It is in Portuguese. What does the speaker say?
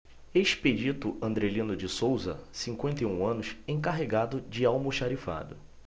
expedito andrelino de souza cinquenta e um anos encarregado de almoxarifado